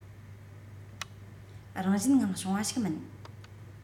རང བཞིན ངང བྱུང བ ཞིག མིན